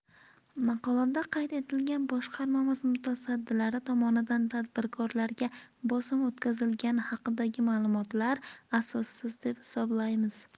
maqolada qayd etilgan boshqarmamiz mutasaddilari tomonidan tadbirkorga bosim o'tkazilgani haqidagi ma'lumotlar asossiz deb hisoblaymiz